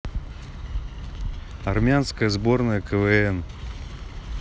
армянская сборная квн